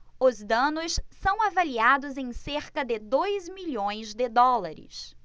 os danos são avaliados em cerca de dois milhões de dólares